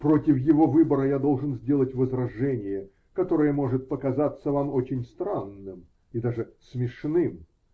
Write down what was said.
Против его выбора я должен сделать возражение, которое может показаться вам очень странным и даже смешным.